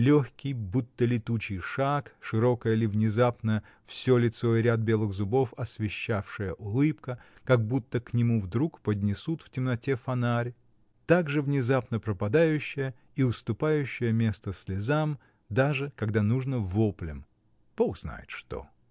легкий, будто летучий, шаг, широкая ли, внезапно всё лицо и ряд белых зубов освещавшая улыбка, как будто к нему вдруг поднесут в темноте фонарь, так же внезапно пропадающая и уступающая место слезам, даже, когда нужно, воплям, — Бог знает что!